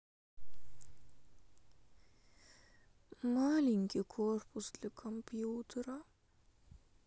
маленький корпус для компьютера